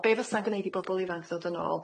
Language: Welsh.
Be' fysa'n gneud i bobol ifanc ddod yn ôl?